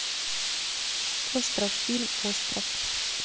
остров фильм остров